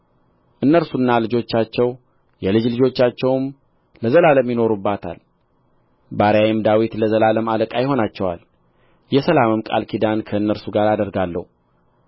እነርሱና ልጆቻቸው የልጅ ልጆቻቸውም ለዘላለም ይኖሩባታል ባሪያዬም ዳዊት ለዘላለም አለቃ ይሆናቸዋል የሰላምም ቃል ኪዳን ከእነርሱ ጋር አደርጋለሁ